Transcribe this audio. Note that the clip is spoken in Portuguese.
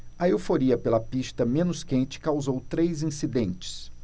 a euforia pela pista menos quente causou três incidentes